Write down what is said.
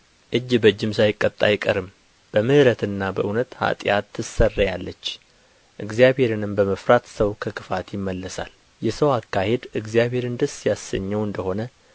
እጅ በእጅም ሳይቀጣ አይቀርም በምሕረትና በእውነት ኃጢአት ትሰረያለች እግዚአብሔርንም በመፍራት ሰው ከክፋት ይመለሳል የሰው አካሄድ እግዚአብሔርን ደስ ያሰኘው እንደ ሆነ